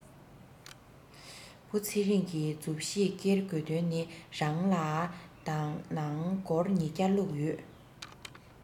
བུ ཚེ རིང གྱི མཛུབ ཞིག ཀེར དགོས དོན ནི རང ལ དང ནང སྒོར ཉི བརྒྱ བླུག ཡོད